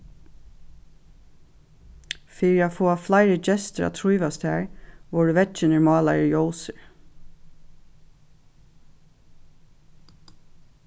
fyri at fáa fleiri gestir at trívast har vóru veggirnir málaðir ljósir